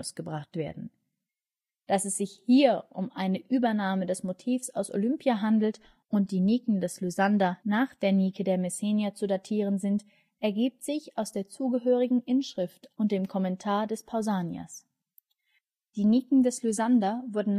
es sich sicher um eine Übernahme des Motivs aus Olympia handelt und die Niken des Lysander nach der Nike der Messenier zu datieren sind, ergibt sich aus der zugehörigen Inschrift und dem Kommentar des Pausanias. Die Niken des Lysander wurden nach der Schlacht bei Aigospotamoi